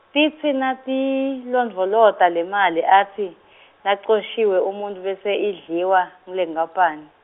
titsi natiyilondvolota lemali atsi, nacoshiwe umuntfu bese idliwa, ngulenkapani.